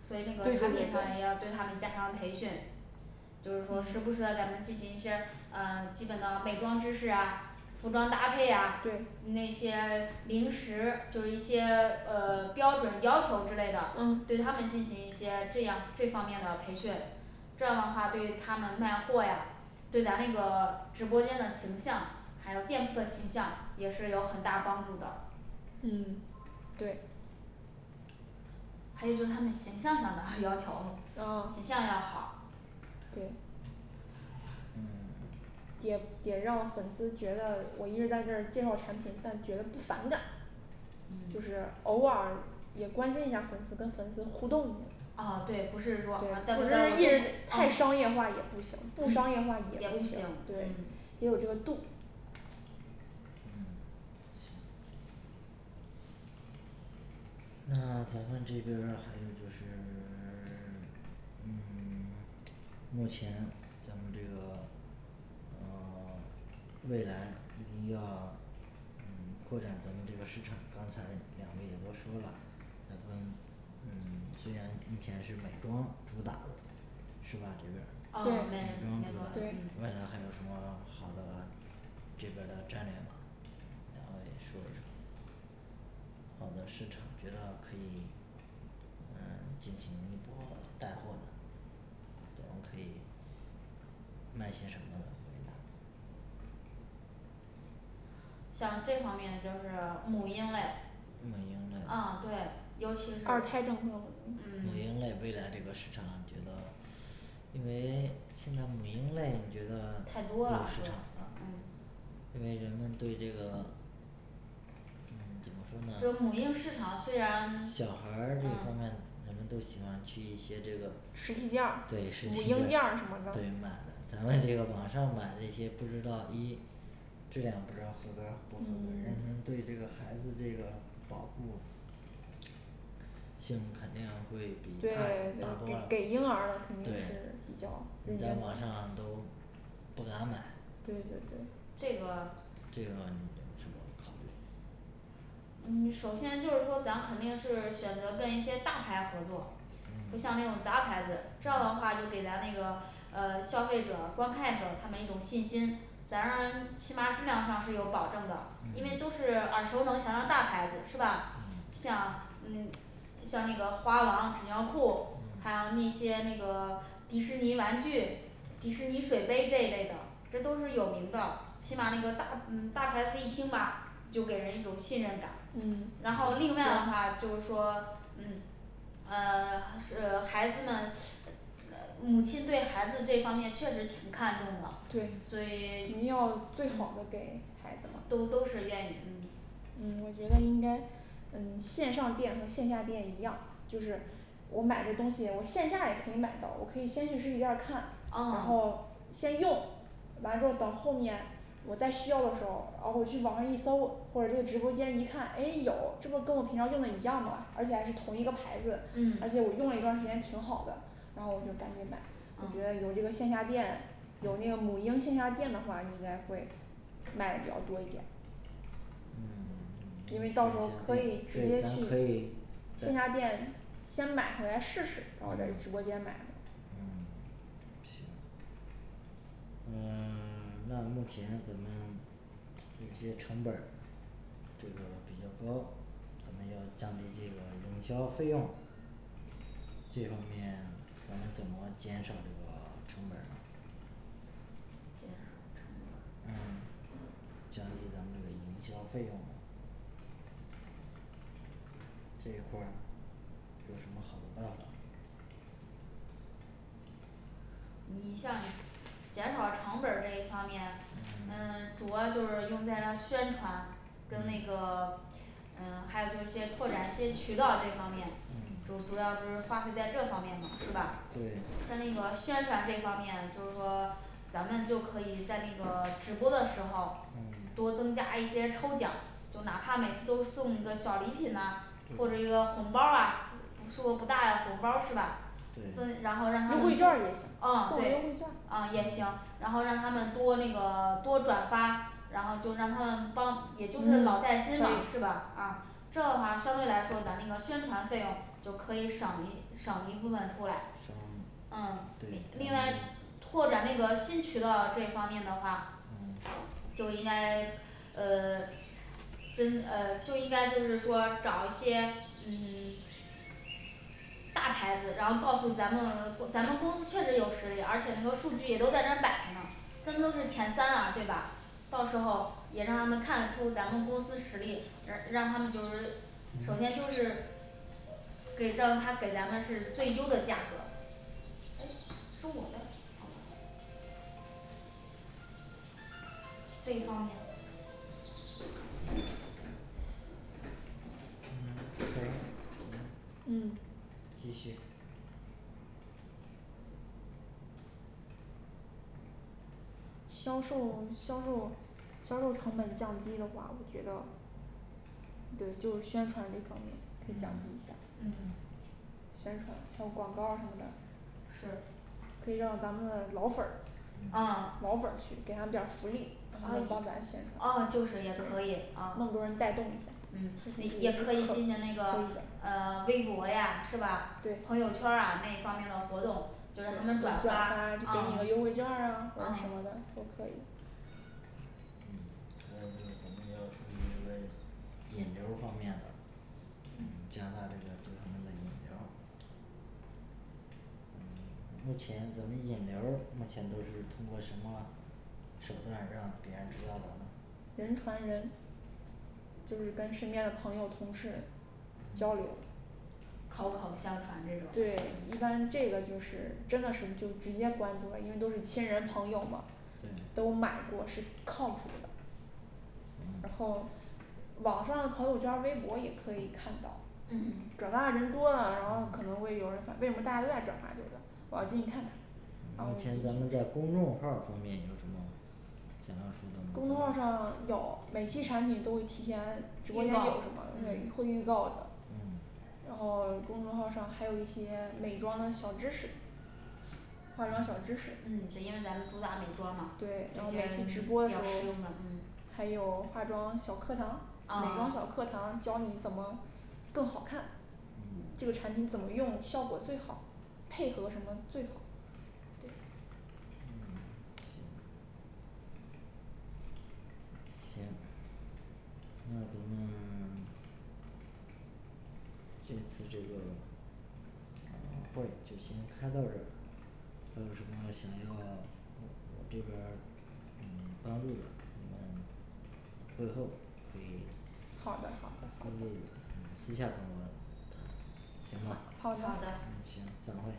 所对以对那个产品上也对要对他们加强培训，就是说时不时的给他们进行一些嗯基本的美妆知识啊服装搭配啊对那些零食就是一些呃标准要求之类的，对嗯他们进行一些这样这方面的培训这样的话对他们卖货呀对咱那个直播间的形象，还有店铺的形象也是有很大帮助的。嗯对还有就是他们形象上的要求 形要象要好。对也嗯也让粉丝觉得我一直在这儿介绍产品，但觉得不反感就是嗯偶尔也关心一下儿粉丝跟粉丝互动一下儿啊对，不是说啊嗯叨咕叨咕不都是嗯，嗯一直太商业化也也不行不商业化也不不行行，对嗯。也有这个度嗯行那咱们这边儿还有就是 嗯 目前咱们这个 嗯 未来一定要嗯扩展咱们这个市场刚才两位也都说了咱们嗯虽然目前是美妆主打是吧这边儿啊美对对妆主打对你们俩还有什么好的这边儿的战略吗两位说一说好的市场觉得可以嗯进行一波儿带货的咱们可以卖些什么呢未来像这方面就是母婴类母婴类嗯对，尤其是二嗯胎政策，母婴类未来这个市场觉得因为现在母婴类你觉得太有多了市场吗嗯因为人们对这个嗯怎么说就是母婴呢市场小虽然小孩儿这方面人们都喜欢去一些这个实体店儿对实，母体店婴店儿什么的对买的咱们这个网上买这些不知道一质量不知道合格儿不合格儿嗯，人们对这个孩子这个保护性肯定会比对大人大给多给啦给对婴儿肯定是比较你在网上都不敢买对对对这个这个你有什么考虑？嗯首先就是说咱肯定是选择跟一些大牌合作不嗯像那种杂牌子，这样的嗯话就给咱那个呃消费者观看者他们一种信心咱起码儿质量上是有保证的因为都嗯是耳熟能详的大牌子是吧，嗯像呃像那个花王纸尿裤，还有嗯那些那个迪士尼玩具，迪士尼水杯这一类的，这都是有名的起码那个大嗯嗯大牌子一听吧就给人一种信任感，然嗯后另外嗯的话就是说嗯呃还是孩子们呃 母亲对孩子这方面确实挺看重对的，所以肯定嗯要最好的给孩子嘛都都是愿意嗯嗯我觉得应该嗯线上店和线下店一样就是我买这东西我线下也可以买到，我可以先去实体店儿看然噢后先用完之后等后面我再需要的时候儿，然后我去网上一搜或者就直播间一看诶有这不跟我平常用的一样吗？而且还是同一个牌子，而且我用嗯了一段时间挺好的，然后我就赶紧买我觉得有啊这个线下店，有那个母婴线下店的话应该会卖的比较多一点呃嗯弄线下店对因为到时候可以直接咱可去以在线下店先买回来试试，然后在直播间买嗯嗯行嗯 那目前咱们有些成本儿这个比较高咱们要降低这个营销费用这方面咱们怎么减少这个成本儿呢减少成本嗯儿降低咱们这个营销费用呢这块儿有什么好的办法吗你像减少成本儿这一方面嗯 嗯主要就是用在了宣传跟那嗯个嗯还有就是一些拓展一些渠道这方面，嗯主主要不是发挥在这方面的嘛是吧对像那个宣传这方面就是说咱们就可以在那个直播的时候嗯多增加一些抽奖就哪怕每次都送一个小礼品呐或者一对个红包儿啊数额不大呀红包儿是吧？分 然对后让他优们惠劵儿也行嗯送个优惠对劵儿啊也行然后让他们多那个多转发然后就让他们帮嗯可也以就是老带新嘛是吧啊这样话相对来说咱们那个宣传费用就可以省一省一部分出来。省嗯对另另咱外们这个拓展那个新渠道这方面的话嗯，就应该呃就是呃就应该就是说找一些嗯大牌子然后告诉咱们可 咱们公司确实有实力，而且那个数据也都在那儿摆着呢咱都是前三了对吧？到时候也让他们看得出咱们公司实力，让 让他们就是首先就嗯是给到他给咱们是最优的价格哎是我的啊这方面呃可以嗯嗯继续销售销售销售成本降低的话我觉得对就是宣传这方面可以降低一下嗯宣传还有广告儿什么的。是可以让咱们的老粉儿啊嗯老粉儿去给他们点儿福利还有发展现啊状就是也，可以对啊那么多人带动一嗯下，也也可可以以可可以进行那个的呃对微博呀是吧朋友圈儿啊那一方面的活动就对让他有们转转发发嗯就给你嗯个优惠劵儿啊或者什么的都可以嗯那就是咱们要注意这个引流儿方面的嗯嗯加大这个这方面的引流儿嗯目前咱们引流儿目前都是通过什么手段让别人知道的呢人传人就是跟身边的朋友同事交流嗯口口相传这种对一的般这个就是真的是就直接关注了因为都是亲人朋友嘛对都买过是靠谱儿的然嗯后网上朋友圈儿微博也可以看到嗯转发的人多了然后可嗯能会有人看为什么大家都在转发这个我要进去看看然嗯后目就去前咱们在公众号儿方面有什么想要说公众的号儿吗上咱们有每期产嗯品都会提前直播预间有告什么对会预告的嗯然后公众号儿上还有一些美妆的小知识化妆小知识嗯嗯是因为咱们主打美妆嘛，对然后每次直播的时候儿，还有化妆小课堂美妆小课啊堂教你怎么更好看这嗯个产品怎么用，效果最好，配合什么最好。对嗯行行那咱们 这次这个呃会就先开到这儿还有什么要想要呃呃我这边儿嗯帮助的你们会后可以好的好的好私自的嗯私下跟我谈行吧好好嗯的的行散会